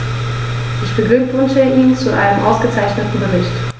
Ich beglückwünsche ihn zu seinem ausgezeichneten Bericht.